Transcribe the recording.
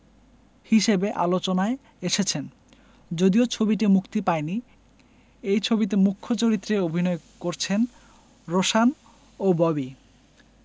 হিসেবে আলোচনায় এসেছেন যদিও ছবিটি মুক্তি পায়নি এই ছবিতে মূখ চরিত্রে অভিনয় করছেন রোশান ও ববি